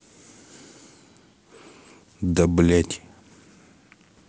да блядь